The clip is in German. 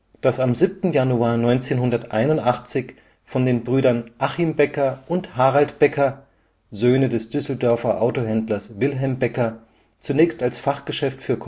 Das am 7. Januar 1981 von den Brüdern Achim Becker und Harald Becker, Söhne des Düsseldorfer Autohändlers Wilhelm Becker, zunächst als Fachgeschäft für